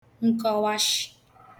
nkọwashị